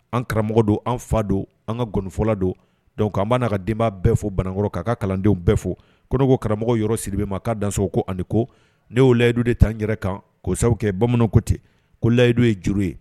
An karamɔgɔ don an fa don an ka nkɔnifɔla don' an b' n na ka denba bɛɛ fo banakɔrɔ'a ka kalandenw bɛɛ fo koko karamɔgɔ yɔrɔ siribi ma k ka danso ko ani ko n' y'o layidu de taa an yɛrɛ kan kosa kɛ bamananwko ten ko layidu ye juru ye